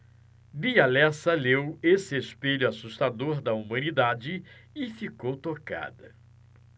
bia lessa leu esse espelho assustador da humanidade e ficou tocada